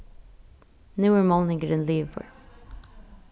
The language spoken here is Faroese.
nú er málningurin liðugur